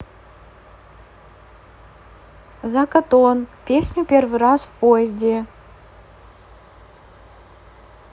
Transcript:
zakatoon песню первый раз в поезде